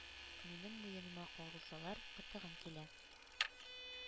— минем муеныма кагылсалар, кытыгым килә,